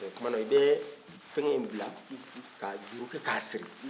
ɔ o tuma na i bɛ fɛngɛ in bila ka juru kɛ ka a siri